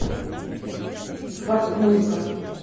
хватит музыка